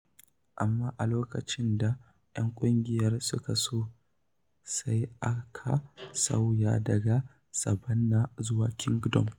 Amma a lokacin da 'yan ƙungiyar suka so, sai aka sauya daga "Saɓannah" zuwa "Kingdom"